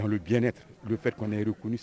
Diɲɛɛ donfɛ kɔnɔyur